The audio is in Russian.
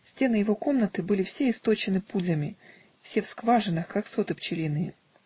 Стены его комнаты были все источены пулями, все в скважинах, как соты пчелиные.